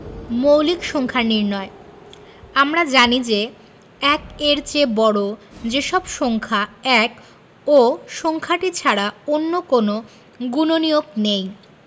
মৌলিক সংখ্যা নির্ণয় আমরা জানি যে ১-এর চেয়ে বড় যে সব সংখ্যা ১ ও সংখ্যাটি ছাড়া অন্য কোনো গুণনীয়ক নেই